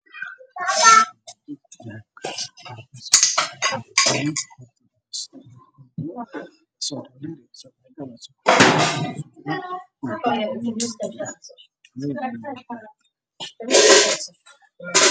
Waa dahab meel ka laalaado